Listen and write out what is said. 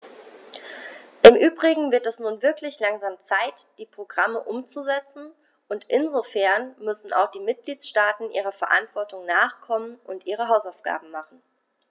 Im übrigen wird es nun wirklich langsam Zeit, die Programme umzusetzen, und insofern müssen auch die Mitgliedstaaten ihrer Verantwortung nachkommen und ihre Hausaufgaben machen.